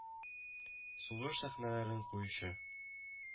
Сугыш сәхнәләрен куючы